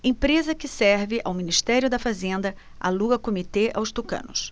empresa que serve ao ministério da fazenda aluga comitê aos tucanos